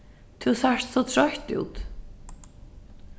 tú sært so troytt út